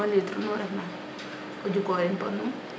so 1 litre nu refna o jiko rin pod num